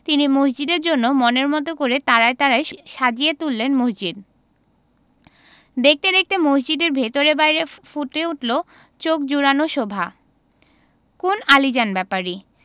তিনি মসজিদের জন্যে মনের মতো করে তারায় তারায় সাজিয়ে তুললেন মসজিদ দেখতে দেখতে মসজিদের ভেতরে বাইরে ফুটে উঠলো চোখ জুড়োনো শোভা কোন আলীজান ব্যাপারী